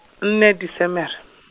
nne Desemere.